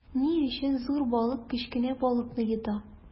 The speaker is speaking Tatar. Ни өчен зур балык кечкенә балыкны йота?